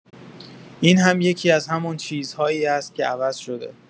این هم یکی‌از همان چیزهایی است که عوض شده.